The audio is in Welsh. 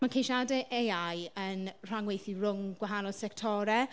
Mae ceisiadau AI yn rhyngweithu rhwng gwahanol sectorau.